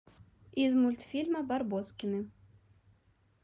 из мультфильма барбоскины